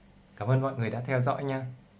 cảm ơn mọi người đã theo dõi